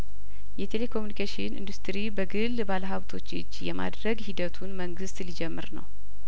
የቴሌኮሙኒኬሽን ኢንዱስትሪ በግል ባለሀብቶች እጅ የማድረግ ሂደቱን መንግስት ሊጀምር ነው